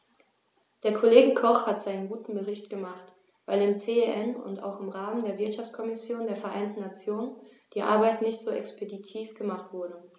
Der Kollege Koch hat seinen guten Bericht gemacht, weil im CEN und auch im Rahmen der Wirtschaftskommission der Vereinten Nationen die Arbeit nicht so expeditiv gemacht wurde.